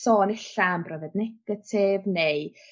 sôn ella am brofiad negatif neu